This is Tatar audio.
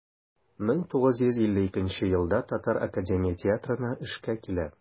1952 елда татар академия театрына эшкә килә.